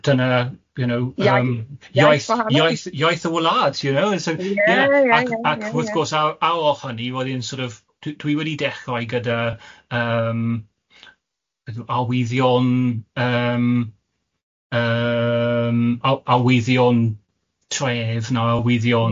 Dyna you know... Iaith gwahanol. ...iaith iaith y wlad you know... Ie ie ie. ...and so yeah ac ac wrth gwrs ar ar ôl hynny roedd hi'n sort of dwi dwi wedi dechrau gyda yym awyddion yym yym ar- arwyddion tref na arwyddion... Ie.